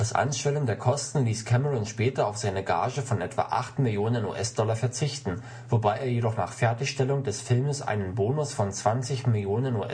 Anschwellen der Kosten ließ Cameron später auf seine Gage von etwa 8 Millionen US-Dollar verzichten, wobei er jedoch nach Fertigstellung des Films einen Bonus von 20 Millionen US-Dollar